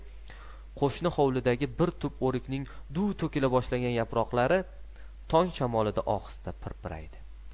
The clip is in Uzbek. qo'shni hovlidagi bir tup o'rikning duv to'kila boshlagan yaproqlari tong shamolida ohista pirpiraydi